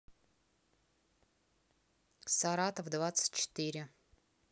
саратов двадцать четыре